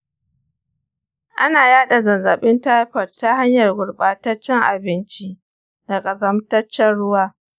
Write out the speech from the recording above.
ana yaɗa zazzabin taifot ta hanyar gurbataccen abinci da ƙazamtaccen ruwa.